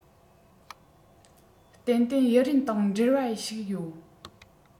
ཏན ཏན དབྱི རན དང འབྲེལ བ ཞིག ཡོད